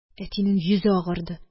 Әтинең йөзе агарды.